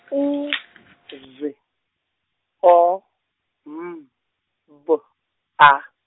U, Z, O, M, B A.